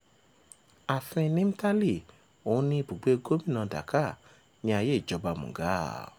Aàfin Nimtali, òun ni ibùgbé Gómìnà Dhaka ní ayée Ìjọba Mughal.